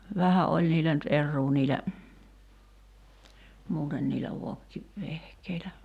vähän oli niillä nyt eroaa niillä muuten niillä - vokkivehkeillä